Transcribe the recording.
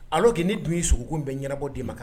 Alors que ne dun ye sogo ko in bɛ ɲɛnabɔ d'e ma ka